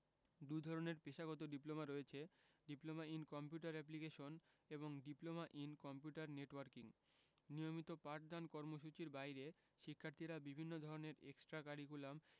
দুধরনের পেশাগত ডিপ্লোমা রয়েছে ডিপ্লোমা ইন কম্পিউটার অ্যাপ্লিকেশন এবং ডিপ্লোমা ইন কম্পিউটার নেটওয়ার্কিং নিয়মিত পাঠদান কর্মসূচির বাইরে শিক্ষার্থীরা বিভিন্ন ধরনের এক্সটা কারিকুলাম